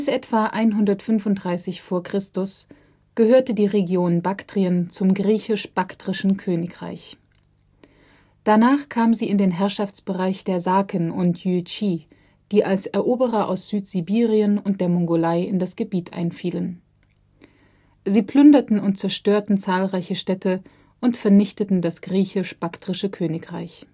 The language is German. etwa 135 v. Chr. gehörte die Region Baktrien zum Griechisch-Baktrischen Königreich. Danach kam sie in den Herrschaftsbereich der Saken und Yuezhi, die als Eroberer aus Südsibirien und der Mongolei in das Gebiet einfielen. Sie plünderten und zerstörten zahlreiche Städte und vernichteten das griechisch-baktrische Königreich